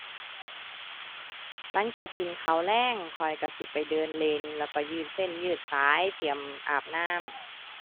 หลังจากกินข้าวแลง ข้อยก็สิไปเดินเล่น แล้วก็ยืดเส้นยืดสาย เตรียมอาบน้ำ